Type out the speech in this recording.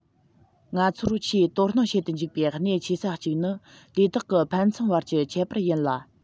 ང ཚོར ཆེས དོ སྣང བྱེད དུ འཇུག པའི གནད ཆེ ས གཅིག ནི དེ དག གི ཕན ཚུན བར གྱི ཁྱད པར ཡིན ལ